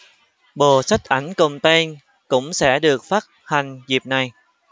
bộ sách ảnh cùng tên cũng sẽ được phát hành dịp này